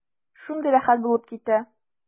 Шундый рәхәт булып китә.